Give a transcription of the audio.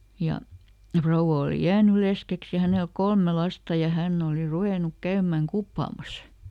ja rouva oli jäänyt leskeksi ja hänelle kolme lasta ja hän oli ruvennut käymään kuppaamassa